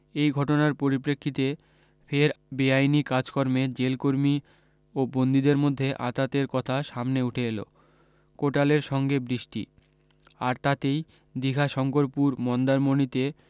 এই ঘটনার পরিপ্রেক্ষিতে ফের বেআইনি কাজকর্মে জেলকর্মী ও বন্দীদের মধ্যে আঁতাতের কথা সামনে উঠে এল কোটালের সঙ্গে বৃষ্টি আর তাতেই দিঘা শঙ্করপুর মন্দারমণিতে